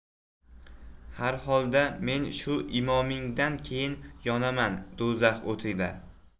har holda men shu imomingdan keyin yonaman do'zax o'tida